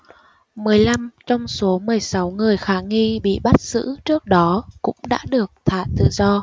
mười lăm trong số mười sáu người khả nghi bị bắt giữ trước đó cũng đã được thả tự do